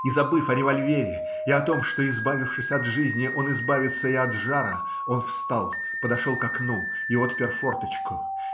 И забыв о револьвере и о том, что, избавившись от жизни, он избавится и от жара, он встал, подошел к окну и отпер форточку.